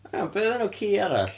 Ia, ond be oedd enw ci arall?